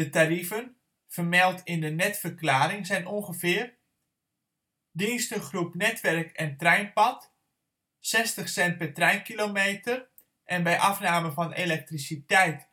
tarieven (vermeld in de netverklaring) zijn ongeveer: Dienstengroep Netwerk en Treinpad: € 0,60 per treinkilometer, en bij afname van elektriciteit